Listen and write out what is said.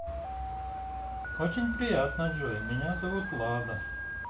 очень приятно джой меня зовут лада